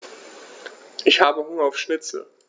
Ich habe Hunger auf Schnitzel.